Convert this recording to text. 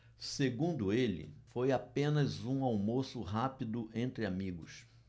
segundo ele foi apenas um almoço rápido entre amigos